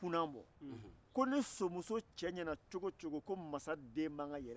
a ye ina dɔgɔkɛ wele